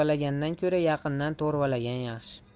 yaqindan to'rvalagan yaxshi